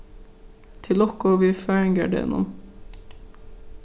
til lukku við føðingardegnum